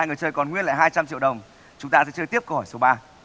người chơi còn nguyên là hai trăm triệu đồng chúng ta sẽ chơi tiếp câu hỏi số ba